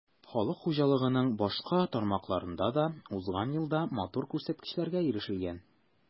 Халык хуҗалыгының башка тармакларында да узган елда матур күрсәткечләргә ирешелгән.